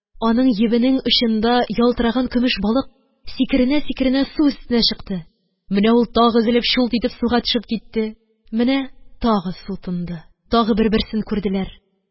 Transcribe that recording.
Аның йибенең очында ялтыраган көмеш балык сикеренә-сикеренә су өстенә чыкты, менә ул тагы өзелеп, чулт итеп суга төшеп китте. Менә тагы су тынды. Тагы бер-берсен күрделәр